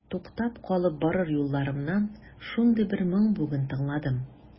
Туктап калып барыр юлларымнан шундый бер моң бүген тыңладым.